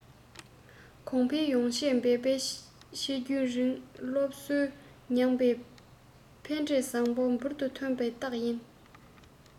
གོང འཕེལ ཡོང ཕྱིར འབད པ ཆེན རྒྱུན རིང སློབ གསོ མྱངས པའི ཕན འབྲས བཟང པོ འབུར དུ ཐོན པའི རྟགས ཡིན